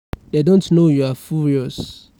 "They don't know you're furious.